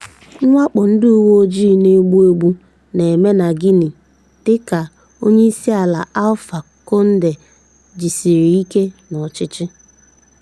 Mwakpo ndị uwe ojii na-egbu egbu na-eme na Guinea dị ka onyeisiala Alpha Condé jidesiri ike n'ọchịchị